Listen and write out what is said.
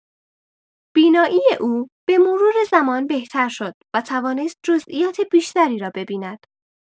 بینایی او به‌مرور زمان بهتر شد و توانست جزئیات بیشتری را ببیند.